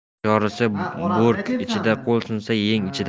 bosh yorilsa bo'rk ichida qo'l sinsa yeng ichida